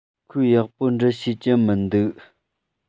ཁོས ཡག པོ འབྲི ཤེས ཀྱི མི འདུག